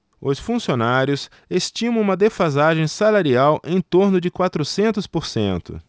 os funcionários estimam uma defasagem salarial em torno de quatrocentos por cento